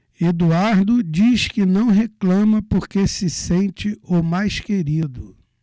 eduardo diz que não reclama porque se sente o mais querido